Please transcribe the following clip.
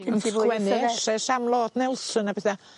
sgwennu essays am Lord Nelson a pethe